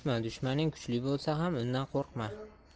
tutma dushmaning kuchli bo'lsa ham undan qo'rqma